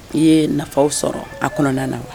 I yee nafaw sɔrɔ a kɔnɔna na wa